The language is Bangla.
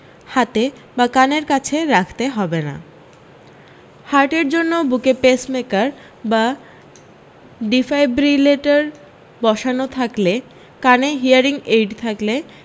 হাতে বা কানের কাছে রাখতে হবে না হার্টের জন্যে বুকে পেসমেকার বা ডিফাইব্রিলেটর বসানো থাকলে কানে হিয়ারিং এইড থাকলে